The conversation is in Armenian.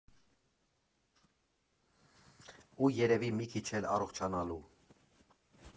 Ու երևի մի քիչ էլ առողջանալու։